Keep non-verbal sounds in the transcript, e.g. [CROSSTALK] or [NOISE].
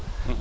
[HESITATION] [HESITATION]